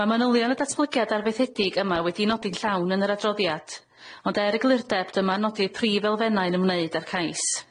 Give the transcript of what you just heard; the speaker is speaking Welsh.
Ma' manylion y datblygiad arfaethedig yma wedi'u nodi'n llawn yn yr adroddiad ond er eglurdeb dyma'n nodi'r prif elfennau yn ymwneud â'r cais.